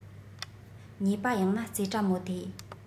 ཉོས པ ཡང ན རྩེ གྲ མོ ཐེ